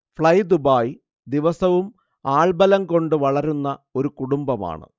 fly Dubai ദിവസവും ആൾബലം കൊണ്ട് വളരുന്ന ഒരു കുടുംബമാണ്